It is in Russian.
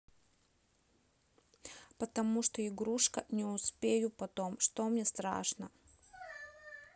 потому что игрушка не успею потому что мне страшно